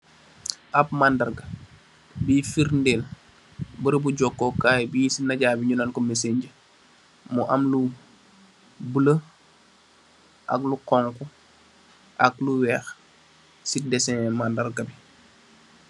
Ap mandarga búy fridel barabi jokokai bi ci mejà bi ñinaan ko messenger. Mu am lu bula ak lu xonxu ak lu wèèx ci desen mandarga bi.